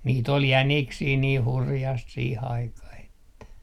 niitä oli jäniksiä niin hurjasti siihen aikaan että